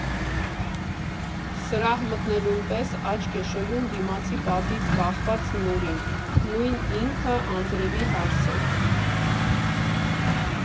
Սրահ մտնելուն պես աչք է շոյում դիմացի պատից կախված Նուրին, նույն ինքը՝ Անձրևի հարսը։